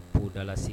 'da la sigi